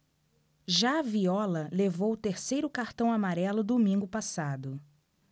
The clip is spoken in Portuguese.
já viola levou o terceiro cartão amarelo domingo passado